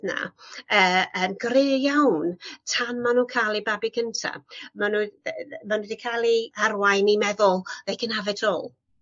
'na yy yn gry iawn tan ma' nw'n ca'l ei babi cynta. Ma' n'w dy- yy ma' n'w 'di ca'l 'u arwain i meddwl they can have it all.